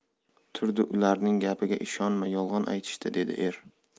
turdi ularning gapiga ishonma yolg'on aytishdi dedi er